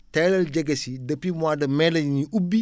teelal jege si depuis mois de mai la ñuy ubbi